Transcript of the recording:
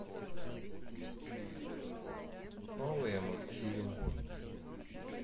новые мультфильмы